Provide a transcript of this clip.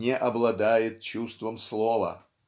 не обладает чувством слова.